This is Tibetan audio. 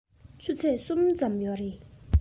ཆུ ཚོད གསུམ ཙམ ཡོད རེད